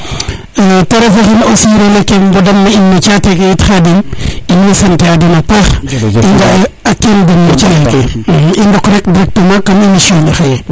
te ref axin aussi relais mbodana in no cate ke it Khadim in way sante a dena paax i nga a a keen den no calel ke i ndok rek kam émission ne xaye